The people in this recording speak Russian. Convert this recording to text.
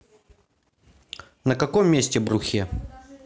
на каком месте брухе